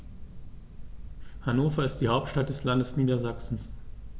Hannover ist die Hauptstadt des Landes Niedersachsen.